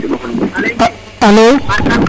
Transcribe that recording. alo